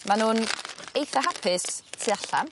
Ma' nw'n eitha hapus tu allan.